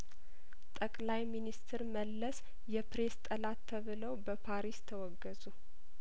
ጠቅላይሚንስትር መለስ የፕሬስ ጠላት ተብለው በፓሪስ ተወገዙ